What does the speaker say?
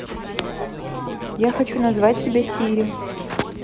я хочу назвать тебя сири